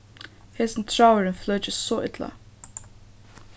hesin tráðurin fløkist so illa